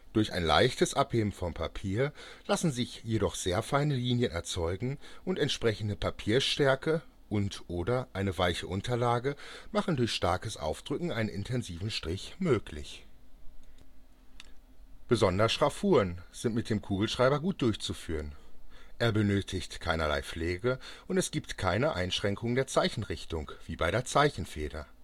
durch ein leichtes Abheben vom Papier lassen sich jedoch sehr feine Linien erzeugen, und entsprechende Papierstärke und/oder eine weiche Unterlage machen durch starkes Aufdrücken einen intensiven Strich möglich. Besonders Schraffuren sind mit dem Kugelschreiber gut durchzuführen. Er benötigt keinerlei Pflege und es gibt keine Einschränkungen der Zeichenrichtung, wie bei der Zeichenfeder